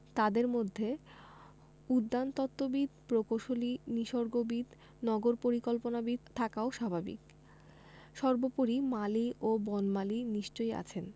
তাদের মধ্যে উদ্যানতত্ত্ববিদ প্রকৌশলী নিসর্গবিদ নগর পরিকল্পনাবিদ থাকাও স্বাভাবিক সর্বোপরি মালি ও বনমালী নিশ্চয়ই আছেন